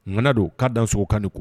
G don k'a da sogo kan nin ko